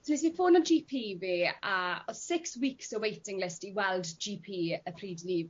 So nes i ffono Gee Pee fi a o'dd six weeks o waiting list i weld Gee Pee y pryd 'ny.